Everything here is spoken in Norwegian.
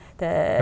det .